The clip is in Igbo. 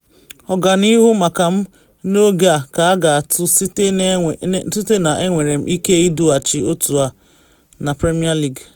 “Ọganihu maka m n’oge a ka a ga-atụ site na “enwere m ike idughachi otu a na Premier League?’